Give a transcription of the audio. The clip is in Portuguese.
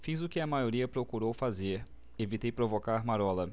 fiz o que a maioria procurou fazer evitei provocar marola